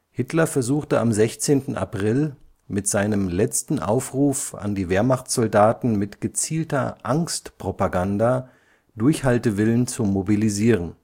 Hitler versuchte am 16. April, mit seinem letzten Aufruf an die Wehrmachtssoldaten mit gezielter Angstpropaganda Durchhaltewillen zu mobilisieren